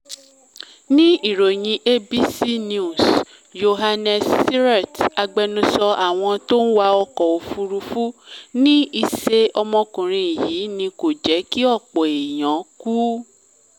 Ní ìròyìn ABC News, Yohannes Sirait, agbẹnusọ àwọn t’ọ́n wa ọkọ̀-òfúrufú, ní ìṣe ọmọkùnrin yìí ni kò jẹ́ kí ọ̀pọ̀ eèyàn kú.